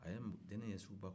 a ye deni ye suguba kɔnɔ